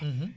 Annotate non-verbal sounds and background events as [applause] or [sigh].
[hesitation] [hesitation]